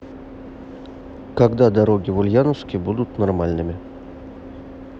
когда дороги в ульяновске будут нормальными